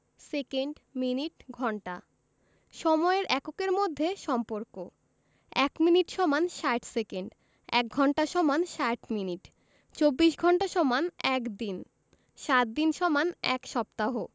second minute ঘন্টা সময়ের এককের মধ্যে সম্পর্কঃ ১ মিনিট = ৬০ সেকেন্ড ১ঘন্টা = ৬০ মিনিট ২৪ ঘন্টা = ১ দিন ৭ দিন = ১ সপ্তাহ